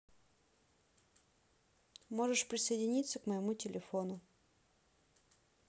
можешь присоединиться к моему телефону